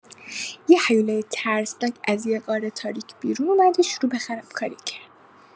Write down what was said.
یه هیولای ترسناک از یه غار تاریک بیرون اومد و شروع به خرابکاری کرد.